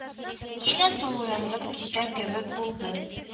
Кинәт ул айнып киткән кебек булды